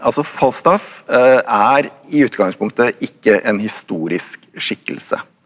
altså Falstaff er i utgangspunktet ikke en historisk skikkelse.